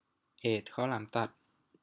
เอดข้าวหลามตัด